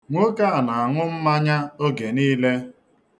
Nwoke a na-aṅụ mmanya oge niile.